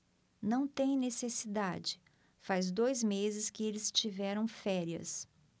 não tem necessidade faz dois meses que eles tiveram férias